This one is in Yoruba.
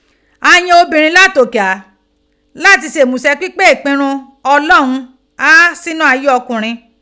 A yan obinrin lati oke gha lati se imuse pipe ipinrun Olorun gha sinu aye okunrin.